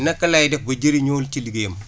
naka lay def ba jëriñoo li ci liggéeyam